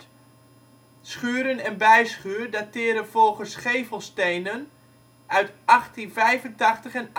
schuren en bijschuur dateren volgens gevelstenen uit 1885 en 1888